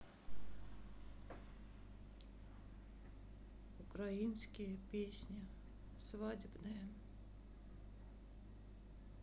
украинские песни свадебные